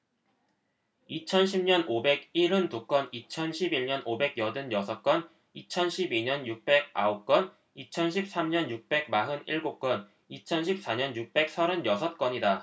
이천 십 년 오백 일흔 두 건 이천 십 일 년 오백 여든 여섯 건 이천 십 이 년 육백 아홉 건 이천 십 삼 년 육백 마흔 일곱 건 이천 십 사 년 육백 서른 여섯 건이다